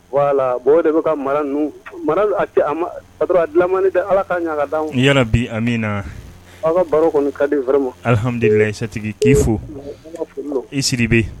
Wala bon de bɛ ka mara ninnumani ala ka bi a min na baro kama alihadulilalatigi' fo i siri bɛ